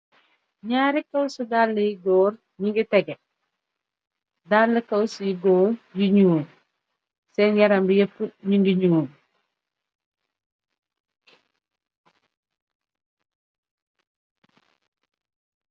Ñaari këw su dalla yu góor ñi ngi tehgeh, dall këw su yu góor yu ñuul seen yaram bi yépp ñu ngi ñuul.